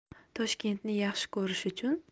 toshkentni yaxshi ko'rish uchun